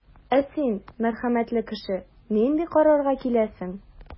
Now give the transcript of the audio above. Ә син, мәрхәмәтле кеше, нинди карарга киләсең?